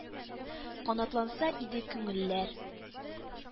Канатланса иде күңелләр,